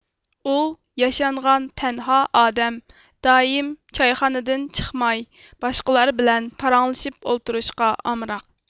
ئۇ ياشانغان تەنھا ئادەم دائىم چايخانىدىن چىقماي باشقىلار بىلەن پاراڭلىشىپ ئولتۇراشقا ئامراق